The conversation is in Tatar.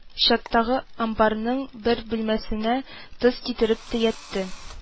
Чаттагы амбарының бер бүлмәсенә тоз китереп төятте